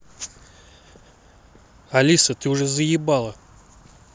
алиса ты уже заебала